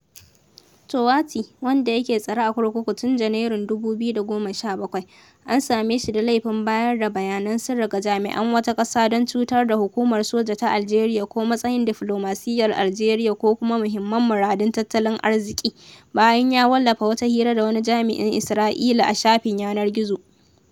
Touati, wanda yake tsare a kurkuku tun Janairun 2017, an same shi da laifin bayar da “bayanan sirri ga jami’an wata ƙasa don cutar da hukumar soja ta Aljeriya ko matsayin diflomasiyyar Aljeriya ko kuma mahimman muradun tattalin arziƙi” bayan ya wallafa wata hira da wani jami’in Isra’ila a shafin yanar gizo.